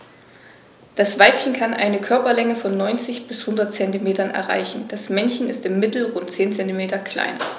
Das Weibchen kann eine Körperlänge von 90-100 cm erreichen; das Männchen ist im Mittel rund 10 cm kleiner.